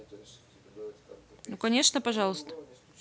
ну конечно пожалуйста